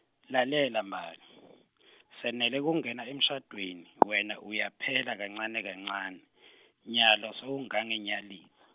Lalela Mbali , senele kungena emshadweni, wena uyaphela kancane kancane , nyalo sewungangenyalitsi.